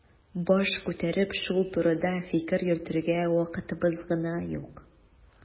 Баш күтәреп шул турыда фикер йөртергә вакытыбыз гына юк.